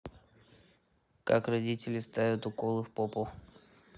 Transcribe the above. как родители ставят уколы в попу